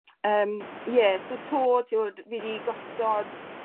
Yym. Ie so 'to t'wod fi 'di gosod